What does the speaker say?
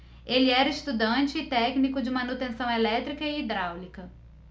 ele era estudante e técnico de manutenção elétrica e hidráulica